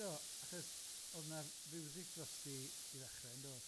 Do, achos o'dd 'na fiwsig drosti i ddechre, yndo?